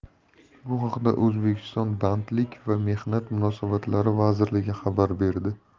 bu haqda o'zbekiston bandlik va mehnat munosabatlari vazirligi xabar berdi